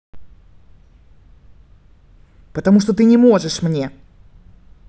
потому что ты не можешь мне